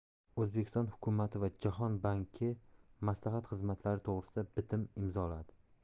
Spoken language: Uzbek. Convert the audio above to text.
o'zbekiston hukumati va jahon banki maslahat xizmatlari to'g'risida bitim imzoladi